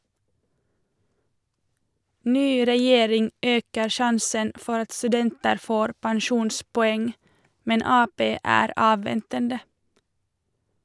Ny regjering øker sjansen for at studenter får pensjonspoeng, men Ap er avventende.